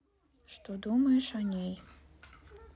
что думаешь о ней